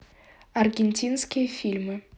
аргентинские фильмы